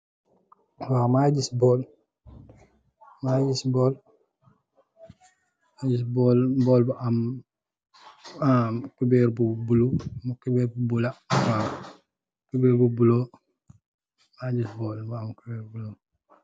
Waw mageh giss bowl mageeh giss bowl giss bowl bowl bu ar am cuberr bu bulo cuberr bu bula waw cuberr bu bulo mageh giss bowl bu am cuberr bu bulo.